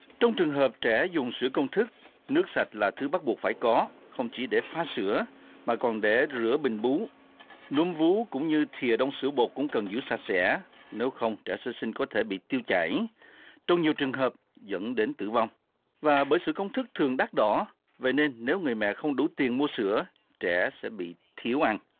trong trường hợp trẻ dùng sữa công thức nước sạch là thứ bắt buộc phải có không chỉ để pha sữa mà còn để rửa bình bú núm vú cũng như thìa đong sữa bột cũng cần giữ sạch sẽ nếu không trẻ sơ sinh có thể bị tiêu chảy trong nhiều trường hợp dẫn đến tử vong và bởi sữa công thức thường đắt đỏ vậy nên nếu người mẹ không đủ tiền mua sữa trẻ sẽ bị thiếu ăn